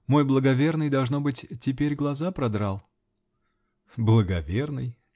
Мой благоверный, должно быть, теперь глаза продрал. "Благоверный!